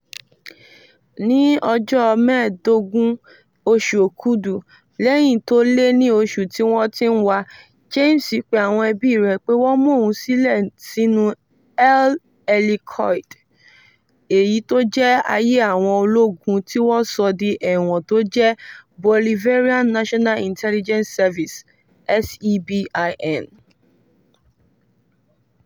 Ní ọjọ́ 15, oṣù okúdù, lẹ́yìn tó lé ní oṣù tí wọ́n ti ń wa, Jaimes pe àwọn ẹbí rẹ̀ pé wọ́n mú ohun silẹ̀ sínu El Helicoide, èyí tó jẹ́ àyè àwọn ológun tí wọ́n sọ di ẹ̀wọ̀n tó jẹ́ ti Bolivarian National Intelligence Service (SEBIN).